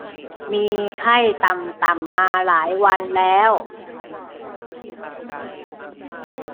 มีไข้ต่ำต่ำมาหลายวันแล้ว